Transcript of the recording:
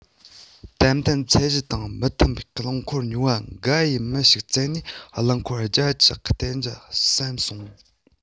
ཏན ཏན ཚད གཞི དང མི མཐུན པའི རླངས འཁོར ཉོ བ འགའ ཡིས མི ཞིག བཙལ ནས རླངས འཁོར རྒྱབ ཀྱི གཏད ཇུས བསམ སོང